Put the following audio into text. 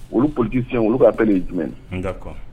Olu politiciens olu ka appel ye jumɛn ? d'accord